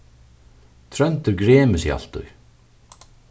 tróndur gremur seg altíð